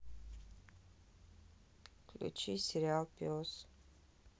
включи сериал пес